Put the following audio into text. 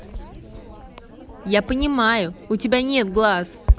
я понимаю у тебя нет глаз